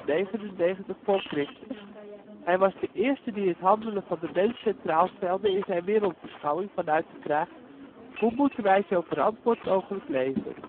469-399 v.C. Hij was de eerste die het handelen van de mens centraal stelde in zijn wereldbeschouwing vanuit de vraag: hoe moeten wij zo verantwoord mogelijk leven